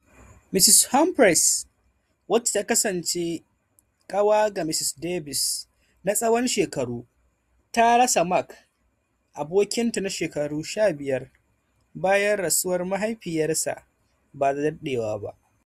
Ms Humphreys, wacce ta kasance kawa ga Ms Davies na tsawon shekaru, ta rasa Mark, abokin ta na shekaru 15, bayan rasuwar mahaifiyarsa ba da daɗewa ba.